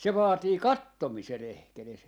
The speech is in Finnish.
se vaatii katsomisen edes